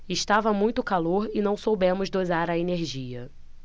estava muito calor e não soubemos dosar a energia